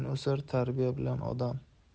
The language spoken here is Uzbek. o'sar tarbiya bilan odam